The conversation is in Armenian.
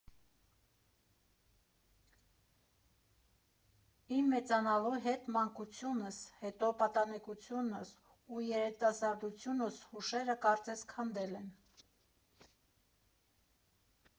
Իմ մեծանալու հետ մանկությունս, հետո պատանեկությանս ու երիտասարդությանս հուշերը կարծես քանդել են։